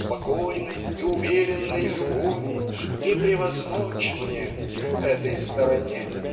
Спокойной и уверенной любови Не превозмочь мне к этой стороне